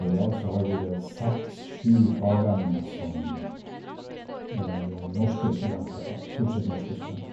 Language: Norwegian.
I dag så har vi vel seks sju fagemner som norske studenter tar, stort sett norske studenter.